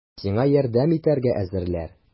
Сиңа ярдәм итәргә әзерләр!